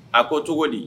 A ko cogo di